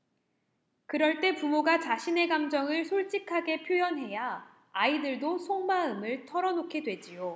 그럴 때 부모가 자신의 감정을 솔직하게 표현해야 아이들도 속마음을 털어 놓게 되지요